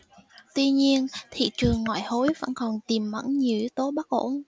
tuy nhiên thị trường ngoại hối vẫn còn tiềm ẩn nhiều yếu tố bất ổn